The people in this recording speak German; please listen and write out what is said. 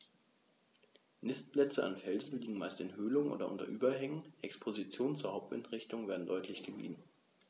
Nistplätze an Felsen liegen meist in Höhlungen oder unter Überhängen, Expositionen zur Hauptwindrichtung werden deutlich gemieden.